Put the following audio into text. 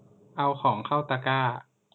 เอาของเข้าตะกร้า